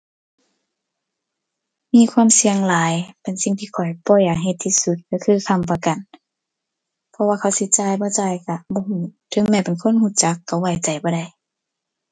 มีความเสี่ยงหลาย เป็นสิ่งที่ข้อยบ่อยากเฮ็ดที่สุดก็คือค้ำประกัน เพราะว่าเขาสิจ่ายบ่จ่ายก็บ่ก็ ถึงแม้เป็นคนก็จัก ก็ไว้ใจบ่ได้